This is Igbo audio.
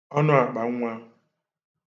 ọnụàkpànnwa